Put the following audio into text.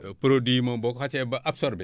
produits yi moom boo ko xasee ba absorbé